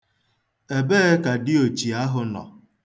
Ebee ka diochi ahụ nọ?